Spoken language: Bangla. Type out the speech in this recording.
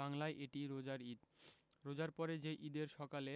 বাংলায় এটি রোজার ঈদ রোজার পরে যে ঈদের সকালে